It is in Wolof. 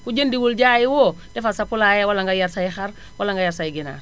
ku jëndiwul jaayiwoo defar sa poulailler wala nga yar say xar wala nga yar say ginaar